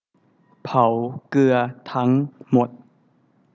เผาเกลือทั้งหมด